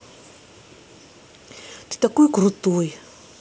ты такой крутой